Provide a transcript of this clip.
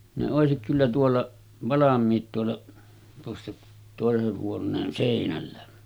ne olisi kyllä tuolla valmiit tuolla tuossa toisen huoneen seinällä